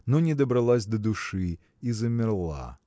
но не добралась до души – и замерла.